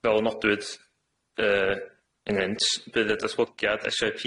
Fel nodwyd yy ynghynt bydd y datblygiad Ess Eye